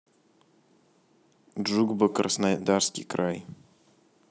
джубга краснодарский край